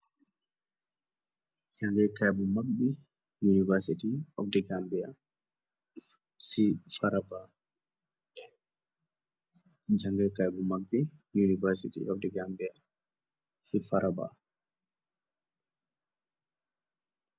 Jangèè kai bu mak bi "University of The Gambia" ci Faraba.